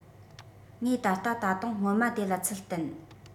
ངས ད ལྟ ད དུང སྔོན མ དེ ལ ཚུལ བསྟན